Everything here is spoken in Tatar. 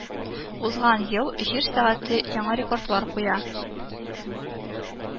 Узган ел Җир сәгате яңа рекордлар куя